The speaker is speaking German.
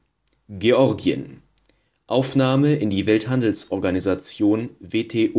Georgien: Aufnahme in die Welthandelsorganisation (WTO